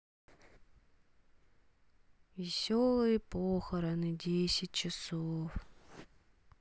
веселые похороны десять часов